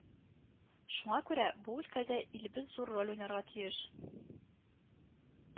Шуңа күрә, бу өлкәдә илебез зур роль уйнарга тиеш